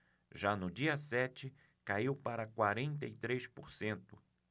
já no dia sete caiu para quarenta e três por cento